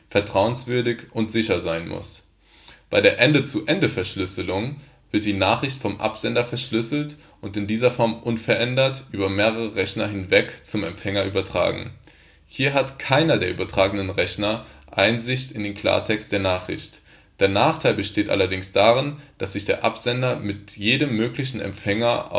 vertrauenswürdig und sicher sein muss. Bei der Ende-zu-Ende-Verschlüsselung wird die Nachricht vom Absender verschlüsselt und in dieser Form unverändert über mehrere Rechner hinweg zum Empfänger übertragen. Hier hat keiner der übertragenden Rechner Einsicht in den Klartext der Nachricht. Der Nachteil besteht allerdings darin, dass sich der Absender mit jedem möglichen Empfänger